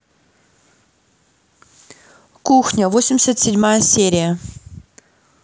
кухня восемьдесят седьмая серия